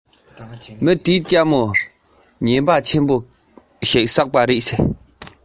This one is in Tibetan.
དེས ཐོས པ ན ད མ ངུ